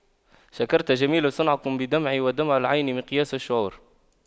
شكرت جميل صنعكم بدمعي ودمع العين مقياس الشعور